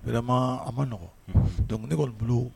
Wɛrɛma a ma nɔgɔn dɔnkili ne'olu bolo